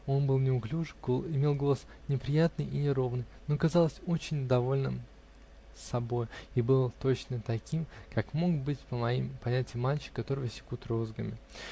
он был неуклюж, имел голос неприятный и неровный, но казался очень довольным собою и был точно таким, каким мог быть, по моим понятиям, мальчик, которого секут розгами.